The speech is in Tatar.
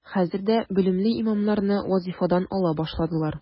Хәзер дә белемле имамнарны вазифадан ала башладылар.